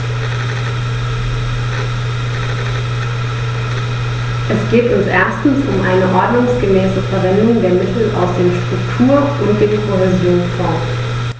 Es geht uns erstens um eine ordnungsgemäße Verwendung der Mittel aus den Struktur- und dem Kohäsionsfonds.